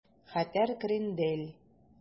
Хәтәр крендель